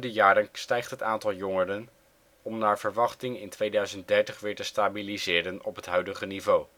jaren stijgt het aantal jongeren, om naar verwachting in 2030 weer te stabiliseren op het huidige niveau